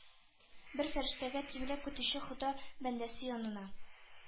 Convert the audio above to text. Бер фәрештәгә тиңләп көтүче хода бәндәсе янына.